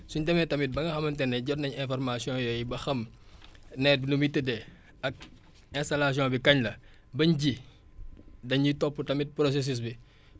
suñ demee tamit ba nga xamante ne jot nañ information yooyu ba xam nawet bi nu muy tëddee ak installation bi kañ la bañ ji dañuy topp tamit processus bi